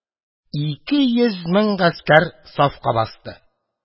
Ике йөз мең гаскәр сафка басты.